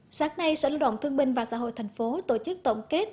sáng nay sở lao động thương binh và xã hội thành phố tổ chức tổng kết